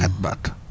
at ba at